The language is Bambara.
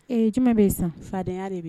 Jumɛn bɛ san fadenyaya de bɛ yen